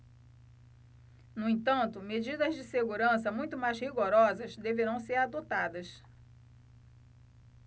no entanto medidas de segurança muito mais rigorosas deverão ser adotadas